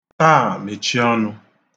Taa, mechie ọnụ!